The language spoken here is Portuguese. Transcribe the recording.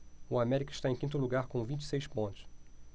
o américa está em quinto lugar com vinte e seis pontos